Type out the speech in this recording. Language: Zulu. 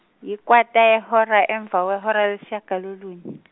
yikwata yihora emva kwehora yeshagalolunye.